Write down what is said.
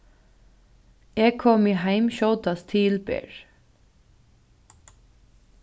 eg komi heim skjótast til ber